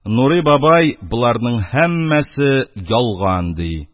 Нурый бабай, боларның һәммәсе ялган, ди.